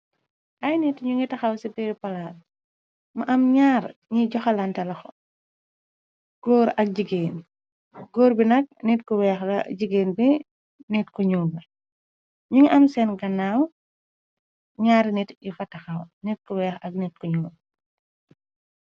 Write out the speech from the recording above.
Ay nit ñu ngi taxaw ci biru palaat, ma am ñaar ñiy joxalante loxo, góor ak jigéen góor bi nag, nit ku weex la jigéen bi, nit ku ñuul ñu ngi am seen gannaaw, ñaar nit yu fa taxaw nit ku weex ak nit ku ñuul